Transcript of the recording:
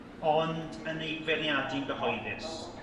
ond yn ei feirniadu'n gyhoeddus.